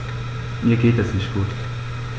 Mir geht es nicht gut.